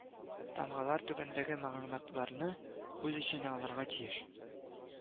Тамгалар түбәндәге мәгълүматларны үз эченә алырга тиеш: